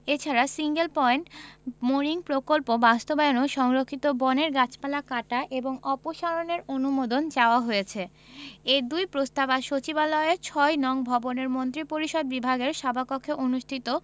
এছাড়া single point mooring প্রকল্প বাস্তবায়নেও সংরক্ষিত বনের গাছপালা কাটা এবং অপসারণের অনুমোদন চাওয়া হয়েছে এ দুই প্রস্তাব আজ সচিবালয়ের ৬ নং ভবনের মন্ত্রিপরিষদ বিভাগের সভাকক্ষে অনুষ্ঠিত